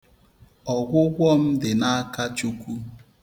Ọgwụgwọ m dị n'aka Chukwu.